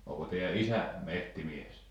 oliko teidän isä metsämies